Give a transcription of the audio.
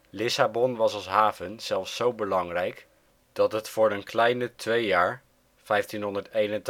Lissabon was als haven zelfs zo belangrijk dat het voor een kleine twee jaar (1581-1583